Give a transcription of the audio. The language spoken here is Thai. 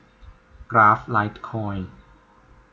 กราฟไลท์คอยน์